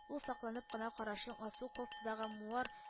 Ул сакланып кына карашын алсу кофтадагы муар